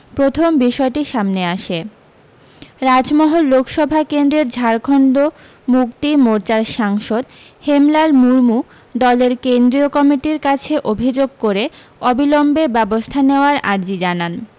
প্রথম বিষয়টি সামনে আসে রাজমহল লোকসভা কেন্দ্রের ঝাড়খণ্ড মুক্তি মোর্চার সাংসদ হেমলাল মুর্মু দলের কেন্দ্রীয় কমিটির কাছে অভি্যোগ করে অবিলম্বে ব্যবস্থা নেওয়ার আর্জি জানান